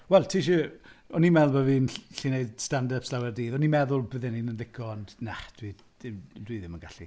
Wel ti isie... o'n i'n meddwl bod fi'n gallu- gallu wneud stand-up ers lawer dydd. O'n i'n meddwl bydde rhein yn ddigon. Na, dwi- dwi ddim yn gallu.